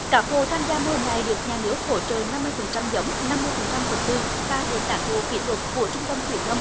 các hộ tham gia mô hình này được nhà nước hỗ trợ năm mươi phần trăm giống năm mươi phần trăm vật tư và được cán bộ kỹ thuật của trung tâm khuyến nông